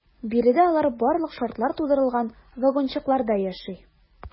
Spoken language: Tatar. Биредә алар барлык шартлар тудырылган вагончыкларда яши.